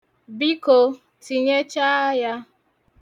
Biko, tinyechaa ya.